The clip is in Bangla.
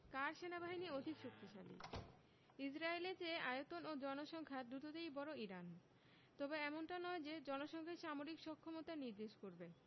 কার সেনাবাহিনী অধিক শক্তিশালী ইসরায়েলের চেয়ে আয়তন ও জনসংখ্যা দুটোতেই বড় ইরান তবে এমনটা নয় যে জনসংখ্যাই সামরিক সক্ষমতা নির্দেশ করবে